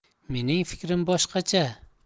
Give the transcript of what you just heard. mening fikrim boshqacha